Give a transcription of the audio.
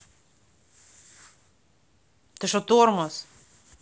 ты что тормоз